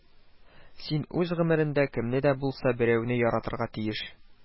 Син үз гомереңдә кемне дә булса берәүне яратырга тиеш